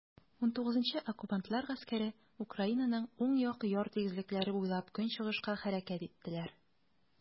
XIX Оккупантлар гаскәре Украинаның уң як яр тигезлекләре буйлап көнчыгышка хәрәкәт иттеләр.